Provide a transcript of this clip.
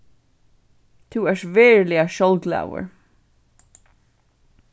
tú ert veruliga sjálvglaður